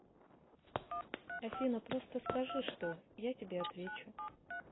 афина просто скажи что я тебе отвечу